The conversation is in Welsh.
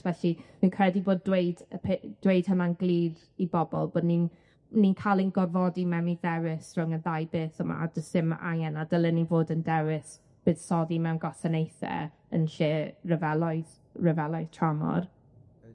Felly fi'n credu bod dweud y pe- dweud hwnna'n glir i bobol bod ni'n ni'n ca'l ein gorfodi mewn i ddewis rhwng y ddau beth yma, a do's dim angen a dylen ni fod yn dewis buddsoddi mewn gwasanaethe yn lle ryfeloedd, ryfeloedd tramor.